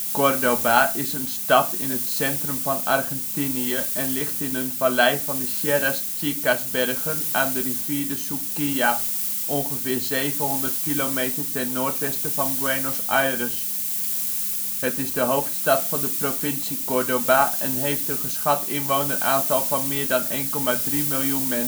Córdoba is een stad in het centrum van Argentinië en ligt in een vallei van de Sierras Chicas bergen aan de rivier de Suquía, ongeveer 700 kilometer ten noordwesten van Buenos Aires. Het is de hoofdstad van de provincie Córdoba en heeft een geschat inwoneraantal van meer dan 1.300.000 inwoners, waarmee het